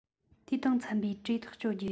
དེ དང འཚམ པའི གྲོས ཐག གཅོད རྒྱུ